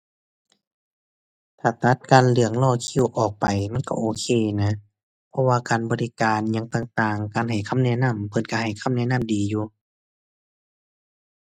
ถ้าตัดการเรื่องรอคิวออกไป มันก็โอเคนะ เพราะว่าการบริการอิหยังต่างต่าง การให้คำแนะนำ เพิ่นก็ให้คำแนะนำดีอยู่